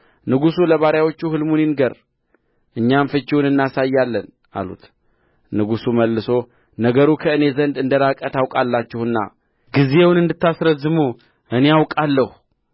ንጉሡ ለባሪያዎቹ ሕልሙን ይንገር እኛም ፍቺውን እናሳያለን አሉት ንጉሡ መልሶ ነገሩ ከእኔ ዘንድ እንደ ራቀ ታውቃላችሁና ጊዜውን እንድታስረዝሙ እኔ አውቃለሁ